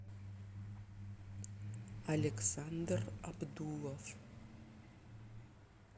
александр абдулов